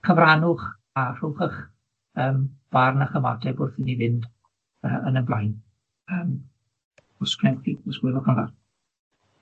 cyfrannwch a rhowch 'ych yym barn a'ch ymateb wrth i ni fynd yy yn 'yn blaen yym os gwnewch chi os gwelwch yn dda.